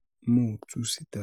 Mo ‘ò tu síta.”